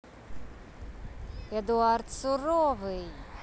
эдуард суровый